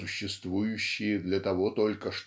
"существующие для того только